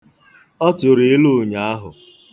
Ọ tụrụ ilu ụnyaahụ.